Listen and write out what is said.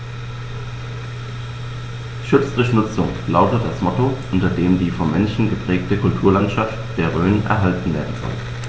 „Schutz durch Nutzung“ lautet das Motto, unter dem die vom Menschen geprägte Kulturlandschaft der Rhön erhalten werden soll.